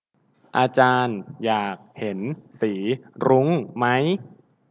อาจารย์อยากเห็นสีรุ้งมั้ย